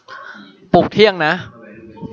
ปลุกเที่ยงนะ